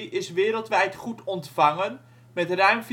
is wereldwijd goed ontvangen met ruim